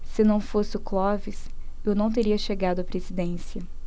se não fosse o clóvis eu não teria chegado à presidência